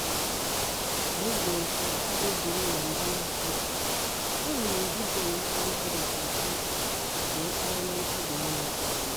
Anyị bidoro Kung Fu Baby ma na mbụ n'Afrịka, ahụrụ m vidiyo YouTube budatara kpamkpam wee kpọọ na ntabianya 6.